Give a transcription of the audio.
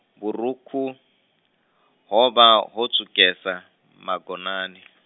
vhurukhu, hovha ho tswukesa, magonani .